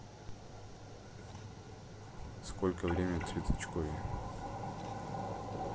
сколько время в цветочкове